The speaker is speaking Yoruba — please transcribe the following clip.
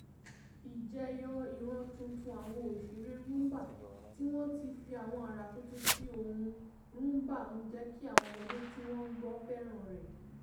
Ìjẹyọ ìran tuntun àwọn òṣèrè Rhumba tí wọ́n ti fi àwọn àrà tuntun sí ohùn Rhumba ń jẹ kí àwọn ọmọdé tí wọ́n ń gbọ fẹ́ràn rẹ̀.